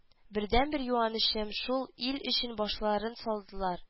Бердәнбер юанычым шул ил өчен башларын салдылар